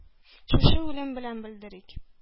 Шушы үлем белән белдерик.